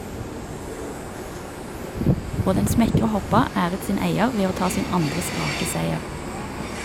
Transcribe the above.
Og den smekre hoppa æret sin eier ved å ta sin andre strake seier.